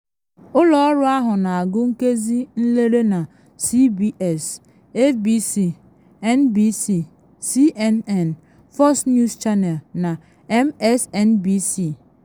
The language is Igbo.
Ụlọ ọrụ ahụ na-agụ nkezi nlele na CBS, ABC, NBC, CNN, Fox News Channel na MSNBC.